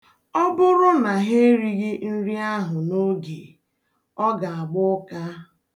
Ọ bụrụ na ha erighi nri ahụ n'oge, ọ ga-agba ụka.